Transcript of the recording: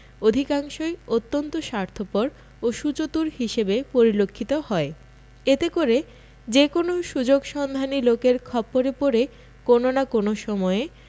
অধিকাংশই অত্যন্ত স্বার্থপর ও সুচতুর হিসেবে পরিলক্ষিত হয় এতে করে যেকোন সুযোগ সন্ধানী লোকের খপ্পরে পড়ে কোন না কোন সময়ে